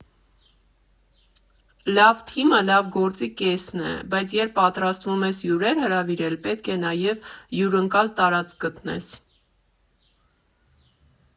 Լավ թիմը լավ գործի կեսն է, բայց երբ պատրաստվում ես հյուրեր հրավիրել, պետք է նաև հյուրընկալ տարածք գտնես։